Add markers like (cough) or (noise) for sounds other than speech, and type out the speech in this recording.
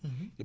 (hesitation) (hesitation)